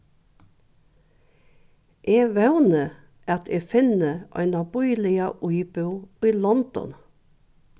eg vóni at eg finni eina bíliga íbúð í london